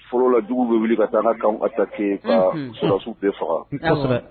Fɔlɔ la jugu bɛ wuli ka taa n' kan ka ta kɛ ka sodasiw bɛɛ faga